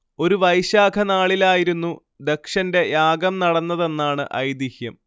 ഒരു വൈശാഖ നാളിലായിരുന്നു ദക്ഷന്റെ യാഗം നടന്നതെന്നാണ് ഐതിഹ്യം